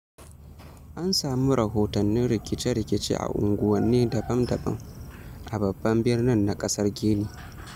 An samu rahotan rikice-rikice a unguwanni dabam-dabam a babban birnin na ƙasar Gini.